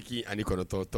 I ni kɔrɔtɔntɔ